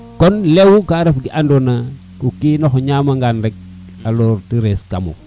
kon lew ka ref ke ando na o kino xe ñama ngaan rek alors te rees kamum